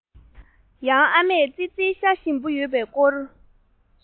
ཡང ཨ མས ཙི ཙིའི ཤ ཞིམ པོ ཡོད པའི སྐོར